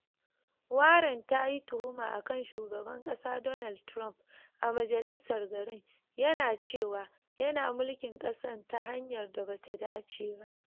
Warren ta yi tuhuma akan Shugaban Kasa Donald Trump a majalisar garin, yana cewa “yana mulkin kasar ta hanyar da bata dace ba.